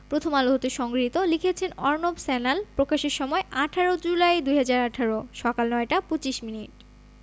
প্রথম আলো হতে সংগৃহীত লিখেছেন অর্ণব স্যান্যাল প্রকাশের সময় ১৮ জুলাই ২০১৮ সকাল ৯টা ২৫ মিনিট